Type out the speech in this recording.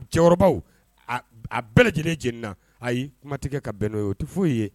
Cɛkɔrɔba a bɛɛ lajɛlen jeni na ayi ye kuma tigɛ ka bɛn n' ye o tɛ foyio ye